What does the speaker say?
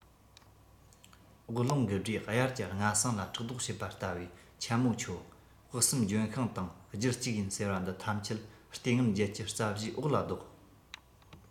འོག རླུང གི སྒྲས དབྱར གྱི རྔ བསངས ལ ཕྲག དོག བྱེད པ ལྟ བུའི འཁྱམས མོ ཁྱོད དཔག བསམ ལྗོན ཤིང དང རྒྱུད གཅིག ཡིན ཟེར བ འདི ཐམས ཅད ལྟས ངན བརྒྱད ཅུ རྩ བཞིའི འོག ལ བཟློག